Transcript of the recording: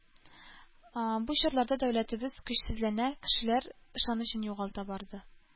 Бу чорларда дәүләтебез көчсезләнә, кешеләр ышанычын югалта барды.